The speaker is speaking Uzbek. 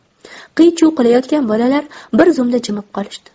qiy chuv qilayotgan bolalar bir zumda jimib qolishdi